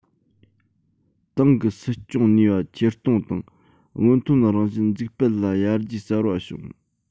ཏང གི སྲིད སྐྱོང ནུས པ ཆེར གཏོང དང སྔོན ཐོན རང བཞིན འཛུགས སྤེལ ལ ཡར རྒྱས གསར པ བྱུང